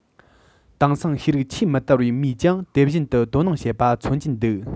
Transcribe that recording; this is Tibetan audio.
དེང སང ཤེས རིག ཆེས མི དར བའི མིས ཀྱང དེ བཞིན དུ དོ སྣང བྱེད པ མཚོན གྱི འདུག